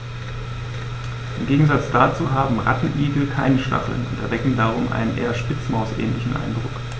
Im Gegensatz dazu haben Rattenigel keine Stacheln und erwecken darum einen eher Spitzmaus-ähnlichen Eindruck.